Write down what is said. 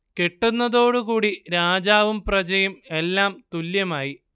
കെട്ടുന്നതോടു കൂടീ രാജാവും പ്രജയും എല്ലാം തുല്യമായി